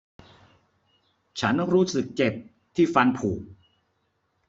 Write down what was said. ฉันรู้สึกเจ็บที่ฟันผุ